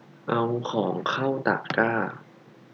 เอาของเข้าตะกร้า